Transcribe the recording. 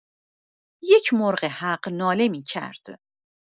یک مرغ‌حق ناله می‌کرد.